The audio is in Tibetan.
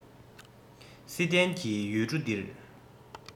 བསིལ ལྡན གྱི ཡུལ གྲུ འདིར